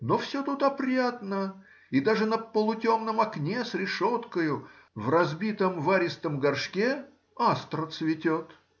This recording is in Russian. но все тут опрятно, и даже на полутемном окне с решеткою в разбитом варистом горшке астра цветет.